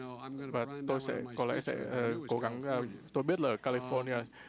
và tôi sẽ có lẽ sẽ cố gắng tôi biết là ca li phóc ni a